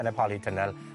yn y polytunnel.